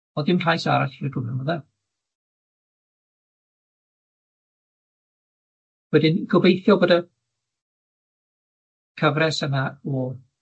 O'dd dim llais arall . Wedyn gobeithio bod y cyfres yna o